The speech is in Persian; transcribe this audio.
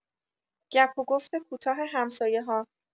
گپ و گفت کوتاه همسایه‌ها